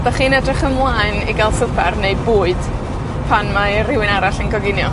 'Dach chi'n edrych ymlaen i ga'l swpar, neu bwyd, pan mae rhywun arall yn coginio?